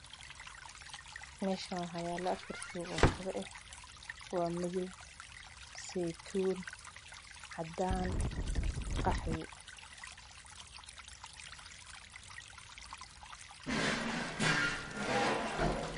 Meeshaan waxaa yaalo afar joogo oo kabo ah oo madow, seytuun, cadaan iyo qaxwi.